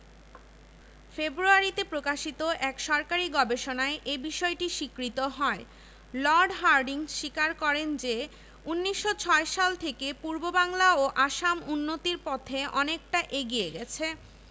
ফেব্রুয়ারিতে প্রকাশিত এক সরকারি ঘোষণায় এ বিষয়টি স্বীকৃত হয় লর্ড হার্ডিঞ্জ স্বীকার করেন যে ১৯০৬ সাল থেকে পূর্ববাংলা ও আসাম উন্নতির পথে অনেকটা এগিয়ে গেছে